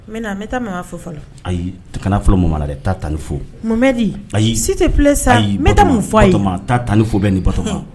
N bɛn, n bɛ taa Mama fo fɔlɔ, ayi, kana fɔlɔ Mama la dɛ, taa Tani fo, Mohamɛdi, s'il te plait sa, n bɛ taa mun fɔ a ye, ayi, ayi, Batɔma, taa Tani fo bani Batɔma